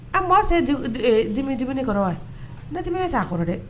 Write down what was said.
An ma se dimi di kɔrɔ wa ne tɛmɛnmi ne t'a kɔrɔ dɛ